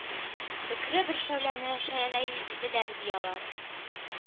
Бөкре бер шәүләне шәйләделәр, ди, алар.